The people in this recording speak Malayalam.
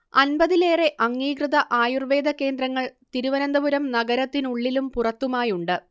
അൻപതിലേറെ അംഗീകൃത ആയുർവേദ കേന്ദ്രങ്ങൾ തിരുവനന്തപുരം നഗരത്തിനുള്ളിലും പുറത്തുമായുണ്ട്